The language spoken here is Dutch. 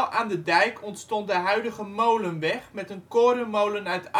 aan de dijk ontstond de huidige Molenweg met een korenmolen uit